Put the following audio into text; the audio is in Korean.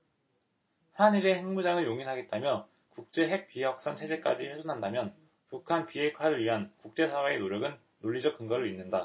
한 일의 핵무장을 용인하겠다며 국제 핵 비확산 체제까지 훼손한다면 북한 비핵화를 위한 국제사회의 노력은 논리적 근거를 잃는다